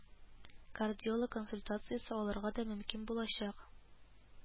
Кардиолог консультациясе алырга да мөмкин булачак